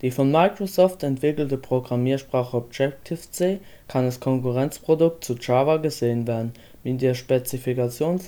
von Microsoft entwickelte Programmiersprache C# kann als Konkurrenzprodukt zu Java gesehen werden. Mit der Spezifikation von